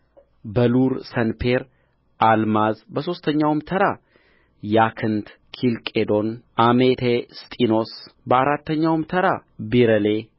በሉር ሰንፔር አልማዝ በሦስተኛውም ተራ ያክንት ኬልቄዶን አሜቴስጢኖስ በአራተኛውም ተራ ቢረሌ